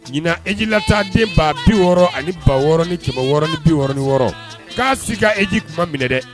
Ɲin eji la tan tɛ baa bi wɔɔrɔ ani ban wɔɔrɔɔrɔn jama wɔɔrɔ ni biɔrɔn wɔɔrɔ k'a si ka eji tuma minɛ dɛ